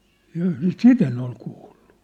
jaa sitä en ole kuullut